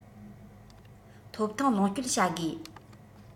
ཐོབ ཐང ལོངས སྤྱོད བྱ དགོས